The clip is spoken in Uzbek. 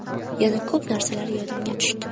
yana ko'p narsalar yodimga tushdi